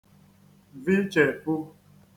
vichèpu